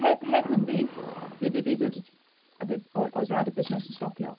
Heb heb hynny b- b- bydd y bydd... oedd oedd raid y busnes stopio.